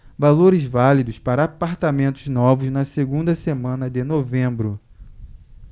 valores válidos para apartamentos novos na segunda semana de novembro